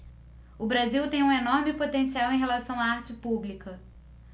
o brasil tem um enorme potencial em relação à arte pública